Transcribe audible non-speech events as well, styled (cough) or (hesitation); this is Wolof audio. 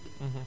(hesitation) (hesitation)